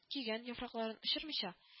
-көйгән яфракларын очырмыйча